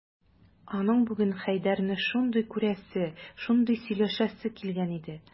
Аның бүген Хәйдәрне шундый күрәсе, шундый сөйләшәсе килгән иде...